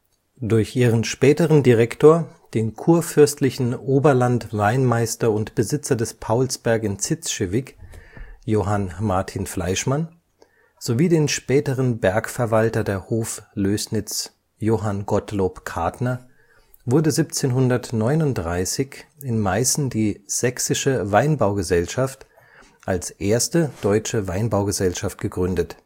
Durch ihren späteren Direktor, den kurfürstlichen Oberlandweinmeister und Besitzer des Paulsbergs in Zitzschewig, Johann Martin Fleischmann, sowie den späteren Bergverwalter der Hoflößnitz, Johann Gottlob Cadner, wurde 1739 in Meißen die Sächsische Weinbaugesellschaft als erste deutsche Weinbaugesellschaft gegründet